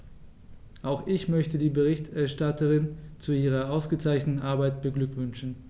Auch ich möchte die Berichterstatterin zu ihrer ausgezeichneten Arbeit beglückwünschen.